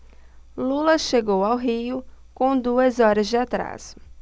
lula chegou ao rio com duas horas de atraso